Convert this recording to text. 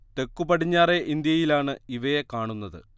തെക്കു പടിഞ്ഞാറെ ഇന്ത്യയിലാണ് ഇവയെ കാണുന്നത്